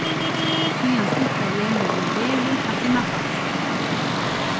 síðani stillaði eg meg við vegin at finna fart